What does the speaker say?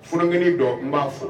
F kelen dɔ n b'a fɔ